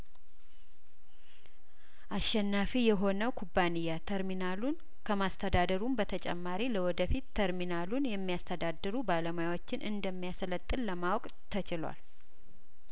አሸናፊ የሆነው ኩባንያ ተርሚናሉን ከማስተዳደሩም በተጨማሪ ለወደፊት ተርሚናሉን የሚያስተዳድሩ ባለሙያዎችን እንደሚያሰለጥን ለማወቅ ተችሏል